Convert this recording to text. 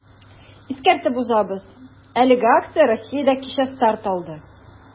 Искәртеп узабыз, әлеге акция Россиядә кичә старт алды.